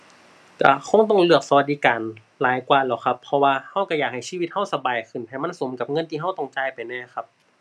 ก็คงต้องเลือกสวัสดิการหลายกว่าแหล้วครับ เพราะว่าก็ก็อยากให้ชีวิตก็สบายขึ้น ให้มันสมกับเงินที่ก็ต้องจ่ายไปแหน่ครับ